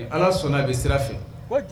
Ala sɔnna i bɛ sira fɛ